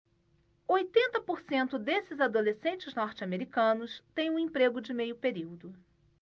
oitenta por cento desses adolescentes norte-americanos têm um emprego de meio período